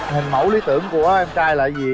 hình mẫu lý tưởng của em trai là gì